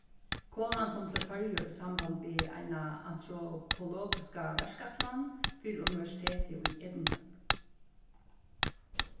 konan kom til føroya í samband við eina antropologiska verkætlan fyri universitetið í edinburgh